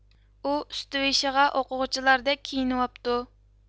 ئۇ ئۈستىۋېشىغا ئوقۇغۇچىلاردەك كىيىنىۋاپتۇ